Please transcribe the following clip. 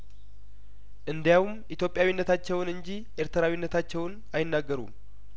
እንዲያውም ኢትዮጵያዊነታቸውን እንጂ ኤርትራዊነታቸውን አይናገሩም